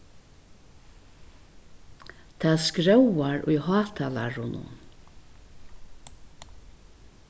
tað skróvar í hátalarunum